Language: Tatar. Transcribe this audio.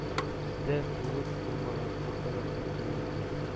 Бездә тулы булмаган урта мәктәп кенә иде